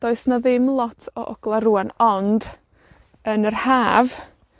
Does 'na ddim lot o ogla' rŵan, ond, yn yr Haf,